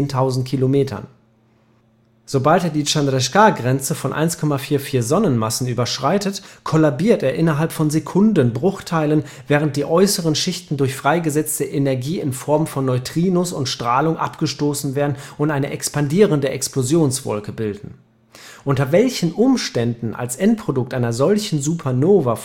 10.000 km. Sobald er die Chandrasekhar-Grenze von 1,44 Sonnenmassen überschreitet, kollabiert er innerhalb Sekundenbruchteilen, während die äußeren Schichten durch freigesetzte Energie in Form von Neutrinos und Strahlung abgestoßen werden und eine expandierende Explosionswolke bilden. Unter welchen Umständen als Endprodukt einer solchen Supernova